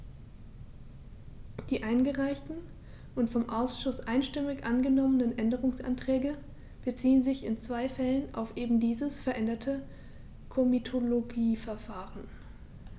Die eingereichten und vom Ausschuss einstimmig angenommenen Änderungsanträge beziehen sich in zwei Fällen auf eben dieses veränderte Komitologieverfahren.